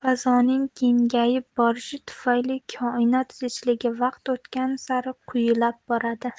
fazoning kengayib borishi tufayli koinot zichligi vaqt o'tgan sayin quyilab boradi